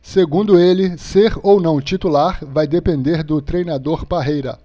segundo ele ser ou não titular vai depender do treinador parreira